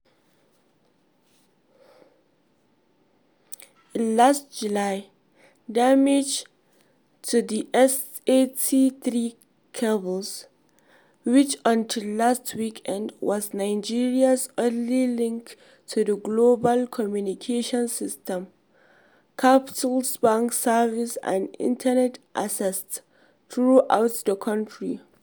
In late July, damage to the SAT-3 cable — which until last weekend was Nigeria's only link to the global communications system — crippled bank services and Internet access throughout the country.